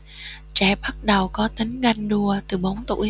trẻ bắt đầu có tính ganh đua từ bốn tuổi